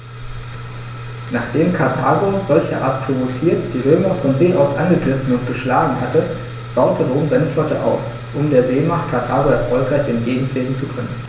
Nachdem Karthago, solcherart provoziert, die Römer von See aus angegriffen und geschlagen hatte, baute Rom seine Flotte aus, um der Seemacht Karthago erfolgreich entgegentreten zu können.